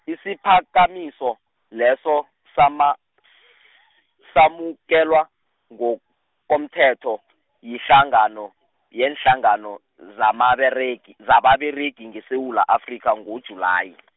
isiphakamiso leso, sama- samukelwa, ngokomthetho yihlangano , yeenhlangano zamaberegi- zababeregi ngeSewula Afrika ngoJulayi.